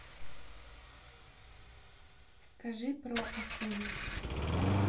скажи про афину